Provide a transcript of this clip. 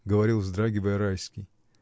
— говорил, вздрагивая, Райский.